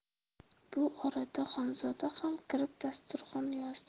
bu orada xonzoda ham kirib dasturxon yozdi